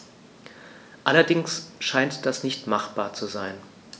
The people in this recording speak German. Allerdings scheint das nicht machbar zu sein.